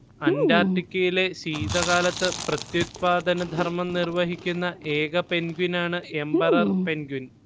അന്റാർട്ടിക്കയിലെ ശീതകാലത്ത് പ്രത്യുത്പാദനധർമ്മം നിർവഹിക്കുന്ന ഏക പെൻഗ്വിനാണ് എമ്പറർ പെൻഗ്വിൻ